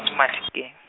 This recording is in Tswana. mo Mafikeng.